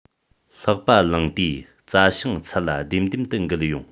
ལྷགས པ ལང དུས རྩྭ ཤིང ཚང མ ལྡེམ ལྡེམ དུ འགུལ ཡོང